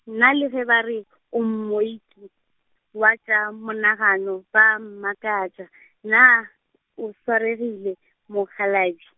nna le ge ba re , o mooki wa tša monagano ba a mmakatša , na, o swaregile, mokgalabje?